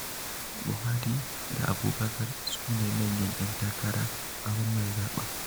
Buhari da Abubakar su ne manyan 'yan takara a wannan zaɓen.